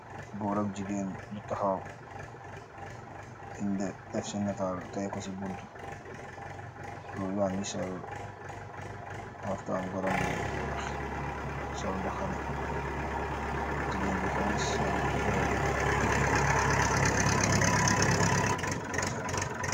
Goorak jigeen ju taxaw, inda def ci nataal tay ko ci bunt. Goor gaa ngi sol haftaan waramba bu weex, sol mbaxana. jigéen bi xeesal sol roobu bu rafet, am ay binda yu ñu yi binda seen loon.